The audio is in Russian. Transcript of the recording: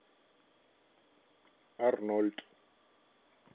арнольд